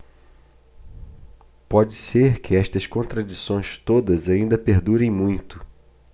pode ser que estas contradições todas ainda perdurem muito